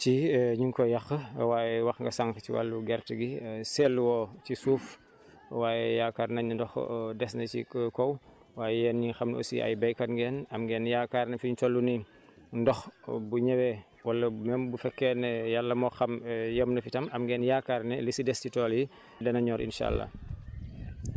picc yi ñu ngi koy yàq waaye wax nga sànq ci wàllu gerte gi seetlu woo ci suuf waaye yaakaar nañ ni ndox des na si kaw waaye yéen ñi nga xam aussi ay béykat ngeen am ngeen yaakaar ne fiñ toll nii ndox bu ñëwee wala même bu fekkee ne yàlla moo xam yem na fi tam am ngeen yaakaar ne li si des si tool yi dana ñor incha allah